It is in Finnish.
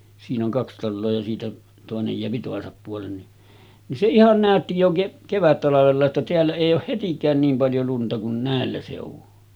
siinä on kaksi taloa ja siitä toinen jää toisen puolen niin niin se ihan näytti jo - kevättalvella että täällä ei ole hetikään niin paljon lunta kuin näillä seuduin